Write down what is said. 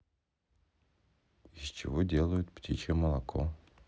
из чего делают птичье молоко